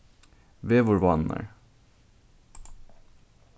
veðurvánirnar